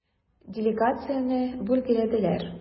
Делегацияне бүлгәләделәр.